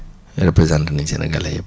représenté nañ sénégalis yëpp